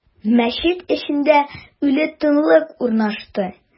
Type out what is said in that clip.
Мәчет эчендә үле тынлык урнашты.